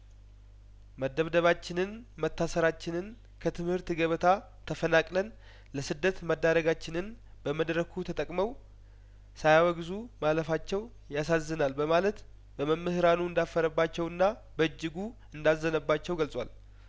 መደብደባችንን መታሰራችንን ከትምህርት ገበታ ተፈናቅለን ለስደት መዳረጋችንን በመድረኩ ተጠቅመው ሳያወግዙ ማለፋቸው ያሳዝናል በማለት በመምህራኑ እንዳፈረ ባቸውና በእጅጉ እንዳዘነባቸው ገልጿል